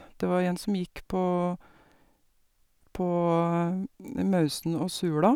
Det var en som gikk på på Mausen og Sula.